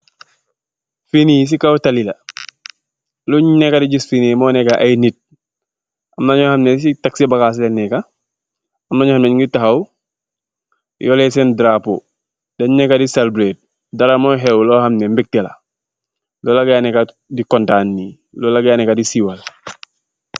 Fii nii si kow tali la, luñg neekë di gis fii nii mooy ay nit, mu gi xam ne, si ay am ñu xam ne si taksi bagaas lañge neekë, am ñu xam ne, ñu ngi taxaw, yoree seen daraapoo. Dañg neekë di salbirëët, dara moo xew loo xam ne mbëkte la. Loo la gaayi neekë di kontaan nii, lool la gaayi neekë di siiwal.